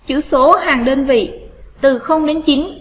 chữ số hàng đơn vị từ đến